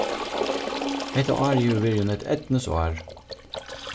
hetta árið hevur verið honum eitt eydnisár